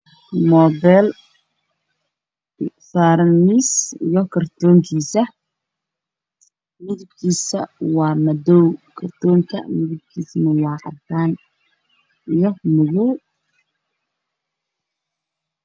Meeshan waxaa yaalla mid khasaaran telefoon waxaa yaallo qolofka telefoonka